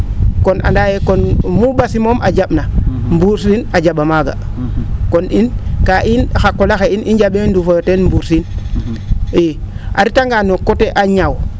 kon andaa yee kon muu ?asi moom a ja?na mbursiin a ja?a maaga kon in kaa in xa qol axa in kaa i nja?ee yo nduufooyo teen mbursiin i a retangaa no coté a ñaaw